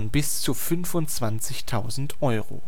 bis 25.000 Euro